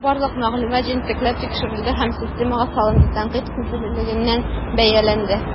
Барлык мәгълүмат җентекләп тикшерелде һәм системага салынды, тәнкыйть күзлегеннән бәяләнде.